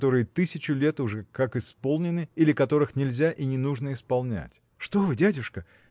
которые тысячу лет уже как исполнены или которых нельзя и не нужно исполнять. – Что вы, дядюшка!